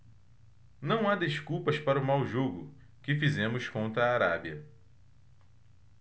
não há desculpas para o mau jogo que fizemos contra a arábia